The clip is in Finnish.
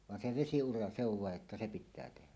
vaan se vesiura se on vain että se pitää tehdä